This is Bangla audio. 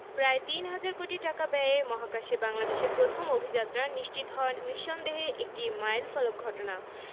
প্রায় তিন হাজার কোটি টাকা ব্যয়ে মহাকাশে বাংলাদেশের প্রথম অভিযাত্রা নিশ্চিত হওয়া নিঃসন্দেহে একটি মাইলফলক ঘটনা